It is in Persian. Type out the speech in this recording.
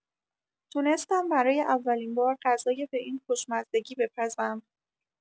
تونستم برای اولین بار غذای به این خوشمزگی بپزم.